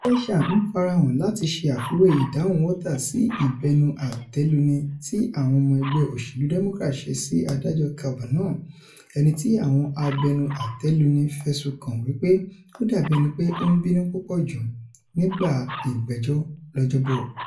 Fleischer ńfarahàn láti ṣe àfiwé ìdáhùn Waters sí ìbẹnuàtẹluni tí àwọn ọmọ ẹgbẹ́ òṣèlú Democrat ṣe sí Adájọ́ Kavanaugh, ẹnití àwọn abẹnuàtẹluni fẹ̀sùn kàn wí pé ó dàbí ẹnipé ó ńbínú púpọ̀ jù nígbà ìgbẹ́jọ́ lọ́jọ́ 'Bọ̀.